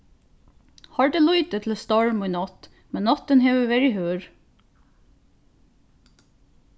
hoyrdi lítið til storm í nátt men náttin hevur verið hørð